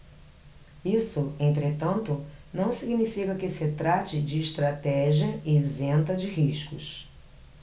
isso entretanto não significa que se trate de estratégia isenta de riscos